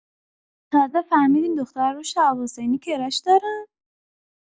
تازه فهمیدین دخترا رو شهاب حسینی کراش دارن؟